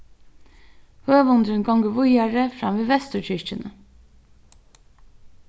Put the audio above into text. høvundurin gongur víðari fram við vesturkirkjuni